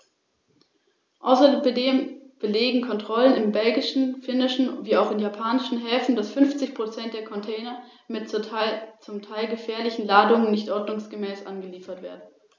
Zweitens stimme ich dem zu, was ich hier bereits von einem Kollegen über die Thematik der Inseln gehört habe, und ich möchte ebenfalls auf die Gebiete in äußerster Randlage aufmerksam machen.